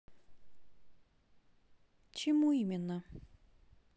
чему именно